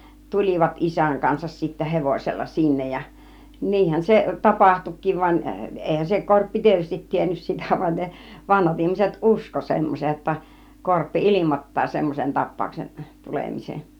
tulivat isän kanssa sitten hevosella sinne ja niinhän se tapahtuikin vaan eihän se korppi tietysti tiennyt sitä vaan ne vanhat ihmiset uskoi semmoisen jotta korppi ilmoittaa semmoisen tapauksen tulemisen